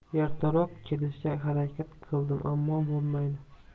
ertaroq kelishga harakat qildim ammo bo'lmadi